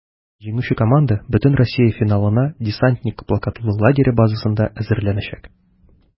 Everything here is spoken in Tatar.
Җиңүче команда бөтенроссия финалына "Десантник" палаткалы лагере базасында әзерләнәчәк.